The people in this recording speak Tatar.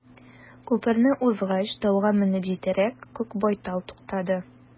Күперне узгач, тауга менеп җитәрәк, күк байтал туктады.